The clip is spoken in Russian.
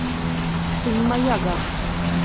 ты не моя gafur